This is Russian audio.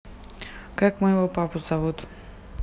как моего папу зовут